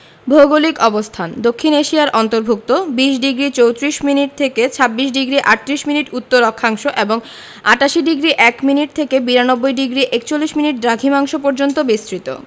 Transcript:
ভৌগোলিক অবস্থানঃ দক্ষিণ এশিয়ার অন্তর্ভুক্ত ২০ডিগ্রি ৩৪ মিনিট থেকে ২৬ ডিগ্রি ৩৮ মিনিট উত্তর অক্ষাংশ এবং ৮৮ ডিগ্রি ০১ মিনিট থেকে ৯২ ডিগ্রি ৪১মিনিট দ্রাঘিমাংশ পর্যন্ত বিস্তৃত